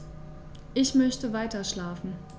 Ich möchte weiterschlafen.